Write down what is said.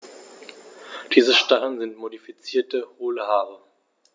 Diese Stacheln sind modifizierte, hohle Haare.